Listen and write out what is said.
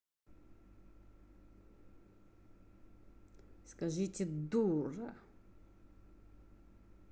скажи дура